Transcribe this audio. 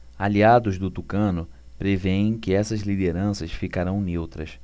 aliados do tucano prevêem que essas lideranças ficarão neutras